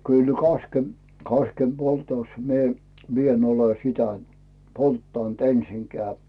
kyllä - kaskenpoltossa minä minä en ole sitä polttanut ensinkään